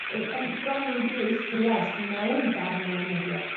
yy yym bron yn ddieithriad mewn darn o lenyddieth